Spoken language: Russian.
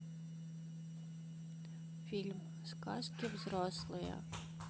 фильм сказки взрослые